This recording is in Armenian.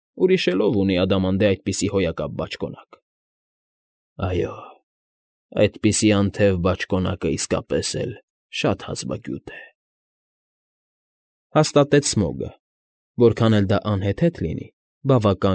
Ուրիշ էլ ո՞վ ունի ադամանդե այդպիսի հոյակապ բաճկոնակ։ ֊ Այո, այդպիսի անթև բաճկոնակն իսկապես էլ շատ հազվագյուտ է,֊ հաստատեց Սմոգը, որքան էլ դա անհեթեթ լինի՝ բավական։